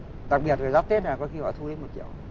đặc biệt ngày giáp tết là có khi họ thu đến một triệu